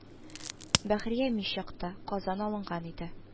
Бәхрия мич якты, казан алынган иде